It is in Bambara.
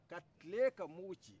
ka tilen ka mungu ci